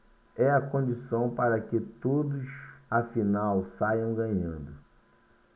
é a condição para que todos afinal saiam ganhando